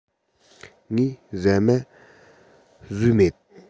ངས ཟ མ ཟོས མེད